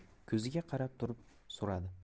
ko'ziga qarab turib so'radi